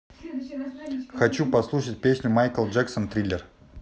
хочу послушать песню майкл джексон триллер